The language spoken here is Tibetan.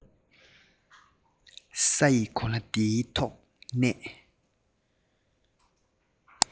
ས ཡི གོ ལ འདིའི ཐོག གནས